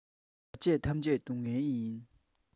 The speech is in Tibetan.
ཟག བཅས ཐམས ཅད སྡུག བསྔལ བ